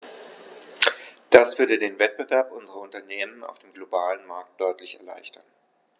Das würde den Wettbewerb unserer Unternehmen auf dem globalen Markt deutlich erleichtern.